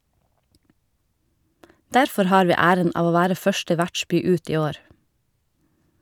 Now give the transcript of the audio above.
Derfor har vi æren av å være første vertsby ut i år.